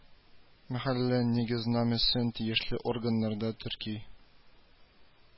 Мәхәллә нигезнамәсен тийешле органнарда терки